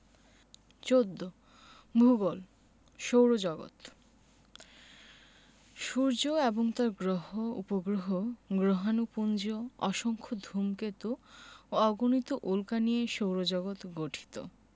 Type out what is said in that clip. ১৪ ভূগোল সৌরজগৎ সূর্য এবং তার গ্রহ উপগ্রহ গ্রহাণুপুঞ্জ অসংখ্য ধুমকেতু ও অগণিত উল্কা নিয়ে সৌরজগৎ গঠিত